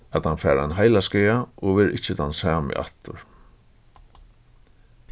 at hann fær ein heilaskaða og verður ikki tann sami aftur